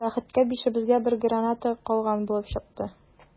Бәхеткә, бишебезгә бер граната калган булып чыкты.